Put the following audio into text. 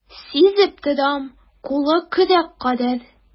Сизеп торам, кулы көрәк кадәр.